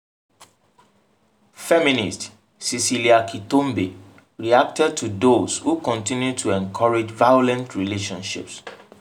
Feminist Cecília Kitombé reacted to those who continue to encourage violent relationships: